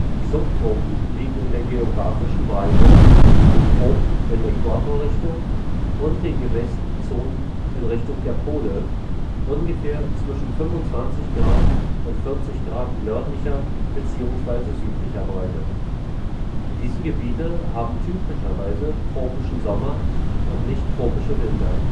Die Subtropen liegen in der geografischen Breite zwischen den Tropen in Äquatorrichtung und den gemäßigten Zonen in Richtung der Pole, ungefähr zwischen 25° und 40° nördlicher beziehungsweise südlicher Breite. Diese Gebiete haben typischerweise tropische Sommer und nicht-tropische Winter